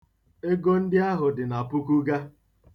Ego ahụ dị na pukuga.